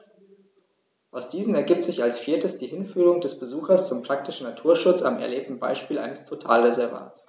Aus diesen ergibt sich als viertes die Hinführung des Besuchers zum praktischen Naturschutz am erlebten Beispiel eines Totalreservats.